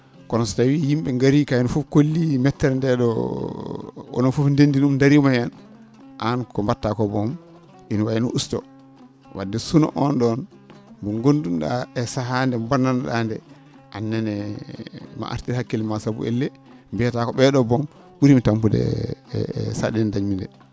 kono so tawii yim?e ngarii kayne fof kollii mettere ndee ?o onon fof ndenndi ?um ndariima heen aan ko mba?ataa ko bom ine wayino ustoo wadde suno oon ?oon mo gonnduno?a e sahaa nde bonnano?a nde annene maa a artir hakkille maa sabu ellee mbiyataa ko ?ee ?oo bom ?urimi tampude e sa?eende nde dañmi nde